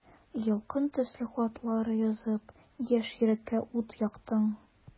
Ялкын төсле хатлар язып, яшь йөрәккә ут яктың.